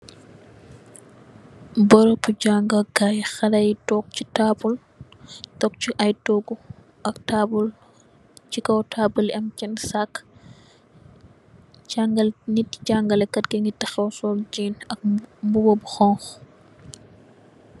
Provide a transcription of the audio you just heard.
Berabu jango kai halei tog sey tabul tog sey i togu ak tabul sey kaw tabuli am sen sack jangeleh nyeti jangeleh kati ngi tahaw sol jean ak mbuba bu hunhu .